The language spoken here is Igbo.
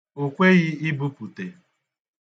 O kweghị ibupute.